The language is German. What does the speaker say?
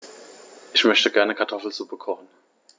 Ich möchte gerne Kartoffelsuppe kochen.